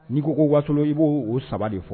N'i ko ko Wasolon, i b'o o 3 de fɔ.